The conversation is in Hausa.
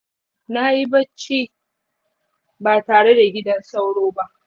nayi bacci ba tareda gidan sauro ba